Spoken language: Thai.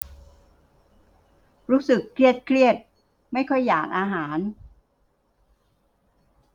รู้สึกเครียดเครียดไม่ค่อยอยากอาหาร